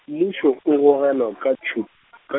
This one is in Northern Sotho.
mmušo o gogelwa ka tšhup-, ka.